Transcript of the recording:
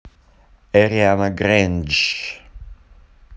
ariana grande